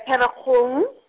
Pherekgong.